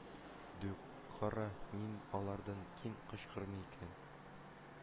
Дук: «кара, мин дә алардан ким кычкырмыйм икән